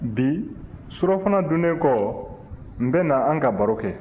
bi surɔfana dunnen kɔ n bɛ na an ka baro kɛ